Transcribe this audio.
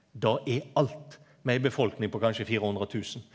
det er alt med ein befolkning på kanskje firehundretusen.